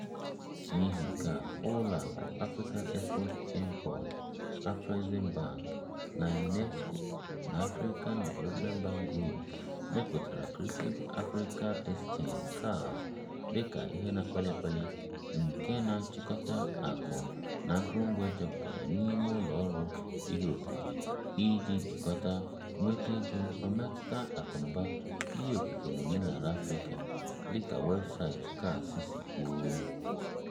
N'ihi nke a, ụlọ akụ Africa Export-Import (Afreximbank) na UNESCO na African Development Bank Group, mepụtara Creative Africa Exchange (CAX) dị ka "ihe na-akpali akpali nke na-achịkọta akụ na akụrụngwa achọpụtara n'ime ụlọ ọrụ ihe okike" iji jikọta, nweta ego ma metụta akụnụba ihe okike na omenala Africa, dịka weebụsaịtị CAX si kwuo.